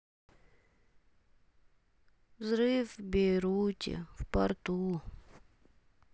взрыв в бейруте в порту